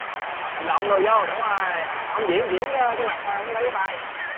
hành động đồ dô đúng rồi hông diễn diễn cái mặt thôi hông lấy cái tay